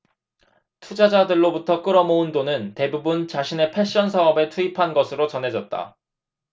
투자자들로부터 끌어모은 돈은 대부분 자신의 패션사업에 투입한 것으로 전해졌다